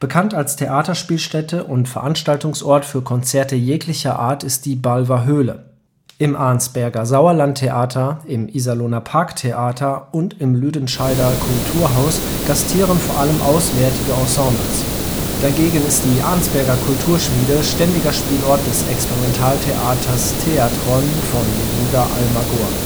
Bekannt als Theaterspielstätte und Veranstaltungsort für Konzerte jeder Art ist die Balver Höhle. Im Arnsberger „ Sauerlandtheater “, im Iserlohner „ Parktheater “und im Lüdenscheider „ Kulturhaus “gastieren vor allem auswärtige Ensembles. Dagegen ist die Arnsberger KulturSchmiede ständiger Spielort des Experimentaltheaters „ Teatron “von Yehuda Almagor